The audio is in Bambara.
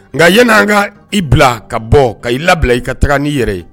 Nkaɛlɛn n an ka i bila ka bɔ ka i labila i ka taga' yɛrɛ ye